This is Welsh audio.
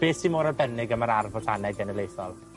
...beth sy mor arbennig am yr Ardd Fotaneg Genedlaethol?